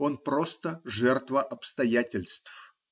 Он -- просто жертва обстоятельств.